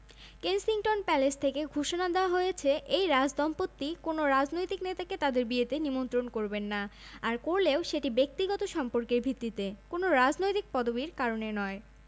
Kensington Palace থেকে ঘোষণা দেওয়া হয়েছে এই রাজদম্পতি কোনো রাজনৈতিক নেতাকে তাঁদের বিয়েতে নিমন্ত্রণ করবেন না আর করলেও সেটি ব্যক্তিগত সম্পর্কের ভিত্তিতে কোনো রাজনৈতিক পদবির কারণে নয়